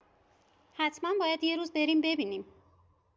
حتما باید یه روز بریم ببینیم.